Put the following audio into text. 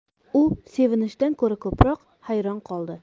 u sevinishdan ko'ra ko'proq hayron qoldi